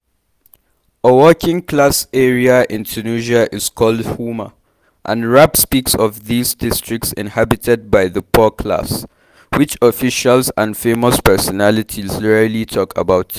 A working class area in Tunisia is called Houma…And rap speaks about these districts inhabited by the poor class, which officials and famous personalities rarely talk about